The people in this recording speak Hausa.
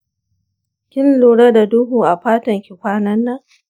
kin lura da duhu a fatanki kwanan nan?